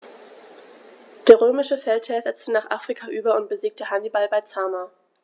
Der römische Feldherr setzte nach Afrika über und besiegte Hannibal bei Zama.